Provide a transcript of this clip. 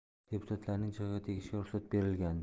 deputatlarning jig'iga tegishga ruxsat berilgandi